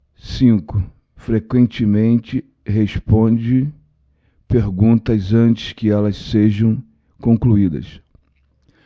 cinco frequentemente responde perguntas antes que elas sejam concluídas